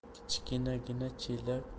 kichkinagina chelak avvaliga